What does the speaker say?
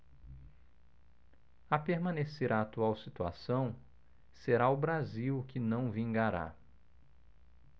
a permanecer a atual situação será o brasil que não vingará